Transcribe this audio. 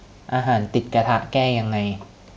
อาหารติดกระทะแก้ยังไง